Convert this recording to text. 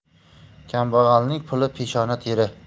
kambag'alning puli peshona teri